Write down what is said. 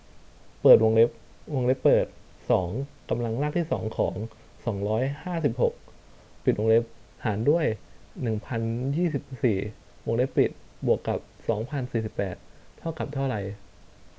เปิดวงเล็บวงเล็บเปิดสองกำลังรากที่สองของสองร้อยห้าสิบหกปิดวงเล็บหารด้วยหนึ่งพันยี่สิบสี่วงเล็บปิดบวกกับสองพันสี่สิบแปดเท่ากับเท่าไหร่